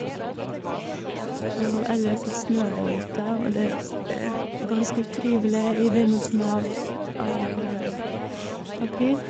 Og ellers så snør det ute, og det er ganske utrivelig i begynnelsen av av april.